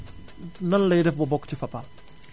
nan lay def ba bokk ci Fapal